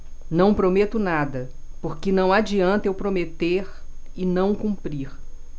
não prometo nada porque não adianta eu prometer e não cumprir